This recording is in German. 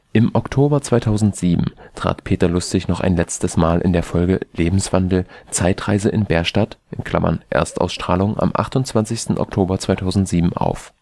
Im Oktober 2007 trat Peter Lustig noch ein letztes Mal in der Folge Lebenswandel – Zeitreise in Bärstadt (Erstausstrahlung am 28. Oktober 2007) auf